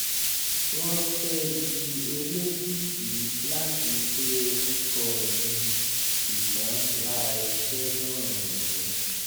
Wọn fẹ di olokiki lati pe orukọ mi, ṣugbọn lara iṣẹ naa ni.